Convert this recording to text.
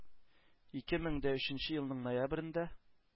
Ике мең дә өченче елның ноябрендә